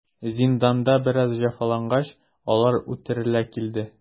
Зинданда бераз җәфалангач, алар үтерелә килде.